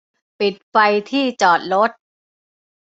ปิดไฟที่จอดรถ